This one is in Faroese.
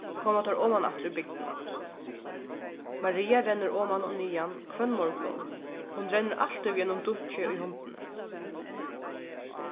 koma teir oman aftur í bygdina maria rennur oman og niðan hvønn morgun hon rennur altíð við einum dunki í hondini